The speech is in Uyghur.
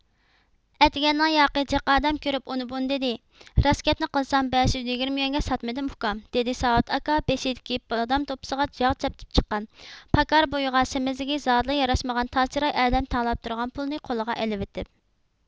ئەتىگەننىڭياقى جېق ئادەم كۆرۈپ ئۇنى بۇنى دېدى راست گەپنى قىلسام بەش يۈز يىگىرمە يۈەنگە ساتمىدىم ئۇكام دىدى ساۋۇت ئاكا بېشىدىكى بادام دوپپىسىغا ياغ تەپچىپ چىققان پاكار بويىغا سېمىزلىكى زادىلا ياراشمىغان تاز چىراي ئادەم تەڭلەپ تۇرغان پۇلنى قولىغا ئېلىۋېتىپ